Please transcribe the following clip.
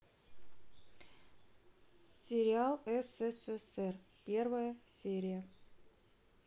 сериал ссср первая серия